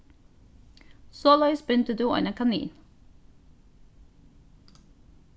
soleiðis bindur tú eina kanin